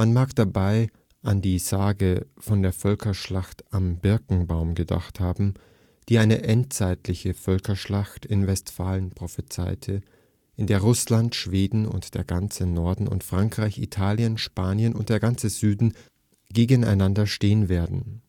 mag dabei an die Sage von der „ Völkerschlacht am Birkenbaum “gedacht haben, die eine endzeitliche „ Völkerschlacht “in Westfalen prophezeite, in der „ Russland, Schweden und der ganze Norden “und „ Frankreich, Italien, Spanien und der ganze Süden “gegeneinanderstehen werden